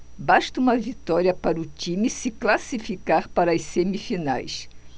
basta uma vitória para o time se classificar para as semifinais